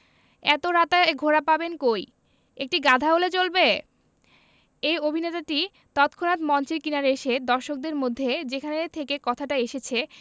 এত রাতে ঘোড়া পাবেন কই একটি গাধা হলে চলবে এই অভিনেতাটি তৎক্ষনাত মঞ্চের কিনারে এসে দর্শকদের মধ্যে যেখান থেকে কথাটা এসেছে